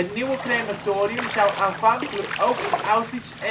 nieuwe crematorium zou aanvankelijk ook in Auschwitz